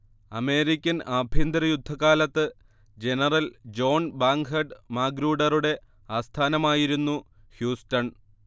American ആഭ്യന്തരയുദ്ധകാലത്ത് general John Bankhead മാഗ്രൂഡറുടെ ആസ്ഥാനമായിരുന്നു ഹ്യൂസ്റ്റൺ